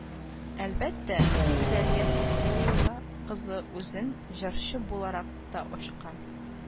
Әлбәттә, Гүзәлия Сафиулла кызы үзен җырчы буларак та ачкан